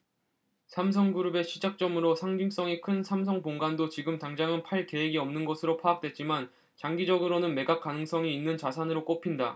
삼성그룹의 시작점으로 상징성이 큰 삼성본관도 지금 당장은 팔 계획이 없는 것으로 파악됐지만 장기적으로는 매각 가능성이 있는 자산으로 꼽힌다